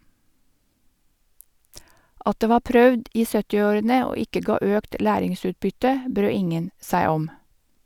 At det var prøvd i 70-årene og ikke ga økt læringsutbytte, brød ingen seg om.